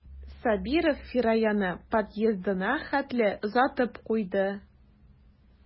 Сабиров Фираяны подъездына хәтле озатып куйды.